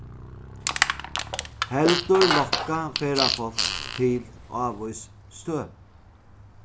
heldur lokka ferðafólk til ávís støð